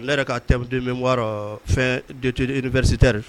Ne yɛrɛ ka tɛmɛte min wɔɔrɔ fɛn2site